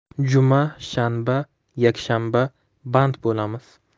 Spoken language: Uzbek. juma shanba yakshanba band bulamiz